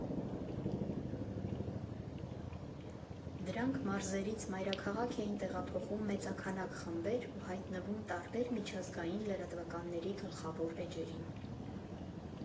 Դրանք մարզերից մայրաքաղաք էին տեղափոխում մեծաքանակ խմբեր ու հայտնվում տարբեր միջազգային լրատվականների գլխավոր էջերին։